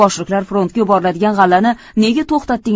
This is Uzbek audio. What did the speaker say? boshliqlar frontga yuboriladigan g'allani nega to'xtatdinglar